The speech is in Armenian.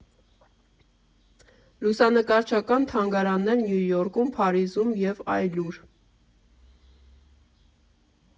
Լուսանկարչական թանգարաններ Նյու Յորքում, Փարիզում և այլուր։